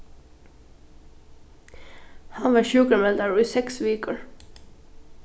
hann varð sjúkrameldaður í seks vikur